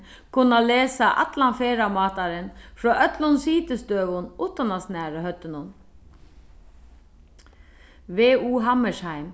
kunna lesa allan frá øllum sitistøðum uttan at snara høvdinum v u hammershaimb